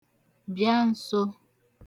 bịa n̄sō